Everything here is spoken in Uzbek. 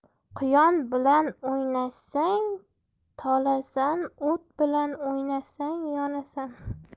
quyon bilan o'ynashsang tolasan o't bilan o'ynashsang yonasan